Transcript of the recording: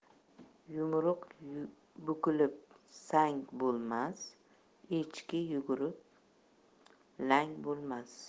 yumruq bukilib sang bo'lmas echki yugurib lang bo'lmas